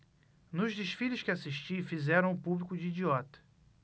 nos desfiles que assisti fizeram o público de idiota